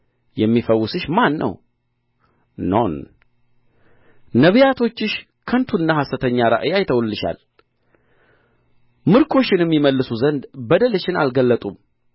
የሚፈውስሽ ማን ነው ኖን ነቢያቶችሽ ከንቱና ሐሰተኛ ራእይ አይተውልሻል ምርኮሽንም ይመልሱ ዘንድ በደልሽን አልገለጡም